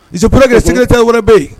Bilisisio kɛ sɛnɛta wɛrɛ bɛ yen